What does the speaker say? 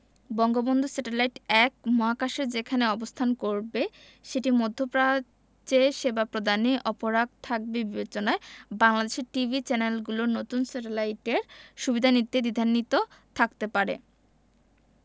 Bangabandhu satellite ১ মহাকাশের যেখানে অবস্থান করবে সেটি মধ্যপ্রাচ্যে সেবা প্রদানে অপারগ থাকবে বিবেচনায় বাংলাদেশের টিভি চ্যানেলগুলো নতুন স্যাটেলাইটের সুবিধা নিতে দ্বিধান্বিত থাকতে পারে